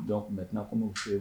Jɔn tun bɛ tɛna kuma'u fɛ yen